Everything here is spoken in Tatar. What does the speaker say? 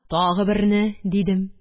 – тагы берне, – дидем